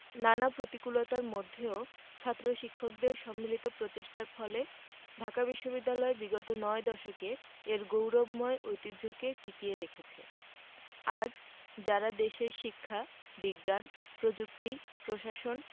নানা প্রতিকূলতার মধ্যেও ছাত্র শিক্ষকদের সম্মিলিত প্রচেষ্টার ফলে ঢাকা বিশ্ববিদ্যালয় বিগত নয় দশকে এর গৌরবময় ঐতিহ্যকে টিকিয়ে রেখেছে আজ যাঁরা দেশের শিক্ষা বিজ্ঞান প্রযুক্তি প্রশাসন